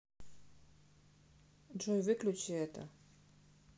джой выключи это